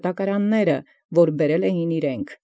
Կտակարանսն եկեղեցւոյ սրբոյ։